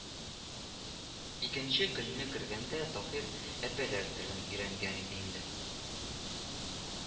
Икенче көнне кергәндә Таһир әпәләр телен өйрәнгән иде инде